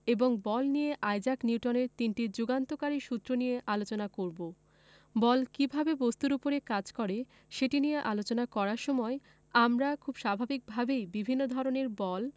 এবং বল নিয়ে আইজাক নিউটনের তিনটি যুগান্তকারী সূত্র নিয়ে আলোচনা করব বল কীভাবে বস্তুর উপর কাজ করে সেটি নিয়ে আলোচনা করার সময় খুব স্বাভাবিকভাবেই বিভিন্ন ধরনের বল